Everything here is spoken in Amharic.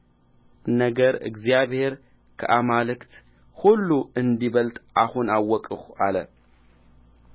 ነገር እግዚአብሔር ከአማልክት ሁሉ እንዲበልጥ አሁን አወቅሁ አለ